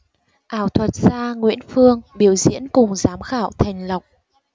ảo thuật gia nguyễn phương biểu diễn cùng giám khảo thành lộc